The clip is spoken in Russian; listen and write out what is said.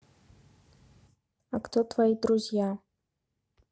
а кто твои друзья